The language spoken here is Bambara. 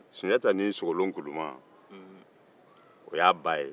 sogolon kuduma o y'a b'a ye